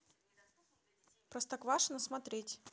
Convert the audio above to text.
простоквашино смотреть